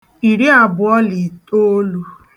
ìri àbụ̀ọ la ìṭoolū